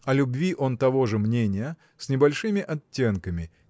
О любви он того же мнения, с небольшими оттенками